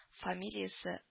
Фамилиясе